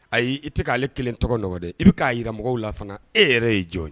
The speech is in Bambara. Ayi i tɛ k'ale kelen tɔgɔɔgɔn de i bɛ k'a jira mɔgɔw la fana e yɛrɛ ye jɔn